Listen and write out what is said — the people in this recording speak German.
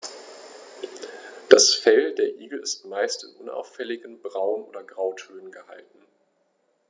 Das Fell der Igel ist meist in unauffälligen Braun- oder Grautönen gehalten.